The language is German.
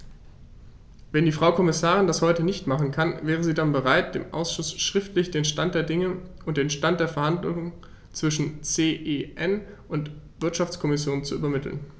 Wenn die Frau Kommissarin das heute nicht machen kann, wäre sie dann bereit, dem Ausschuss schriftlich den Stand der Dinge und den Stand der Verhandlungen zwischen CEN und Wirtschaftskommission zu übermitteln?